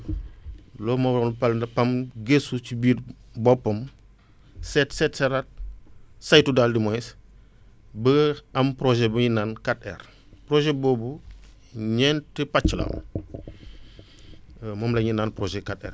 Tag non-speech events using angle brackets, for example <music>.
<noise> loolu moo waroon ne PAM gestu ci biir boppam <breath> seet seetat saytu daal di moins ba am projet bu ñuy naan 4R projet boobu ñeenti pàcc la <noise> <breath> moom la ñu naan projet 4R